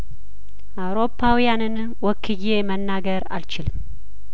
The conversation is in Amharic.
አውሮፓውያንን ወክዬ መናገር አልችልም